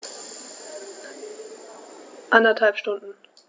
Eineinhalb Stunden